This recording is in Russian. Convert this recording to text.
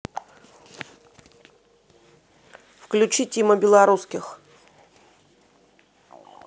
включи тима белорусских